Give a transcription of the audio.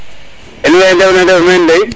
in we ndef na ndef meen de